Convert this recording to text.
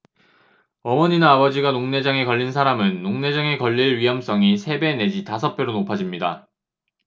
어머니나 아버지가 녹내장에 걸린 사람은 녹내장에 걸릴 위험성이 세 배 내지 다섯 배로 높아집니다